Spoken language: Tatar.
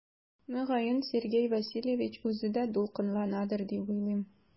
Мөгаен Сергей Васильевич үзе дә дулкынланадыр дип уйлыйм.